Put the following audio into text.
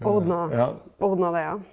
ordna ordna det ja.